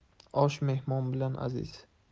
osh mehmon bilan aziz